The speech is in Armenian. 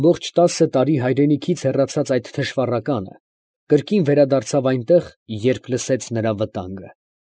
Ամբողջ տասը տարի հայրենիքից հեռացած այդ թշվառականը, կրկին վերադարձավ այնտեղ, երբ լսեց նրա վտանգը։